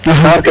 axa